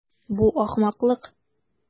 Бу ахмаклык.